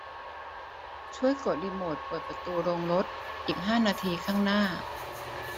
ช่วยกดรีโมทเปิดประตูโรงรถอีกห้านาทีข้างหน้า